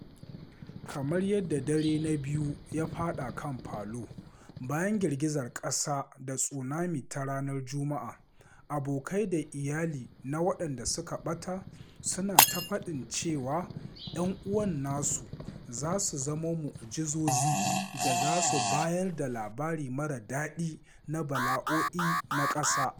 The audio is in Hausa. Kamar yadda dare na biyu ya faɗa kan Palu bayan girgizar ƙasa da tsunami ta ranar Juma’a, abokai da iyali na waɗanda suka ɓata suna ta fatan cewa ‘yan uwan nasu za su zama mu’ujizozi da za su bayar da labari mara daɗi na bala’o’i na ƙasa.